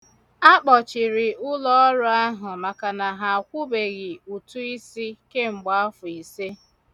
Akpọchiri ụlọọrụ ahụ maka na ha akwụbeghị ụtụisi kemgbe afọ ise.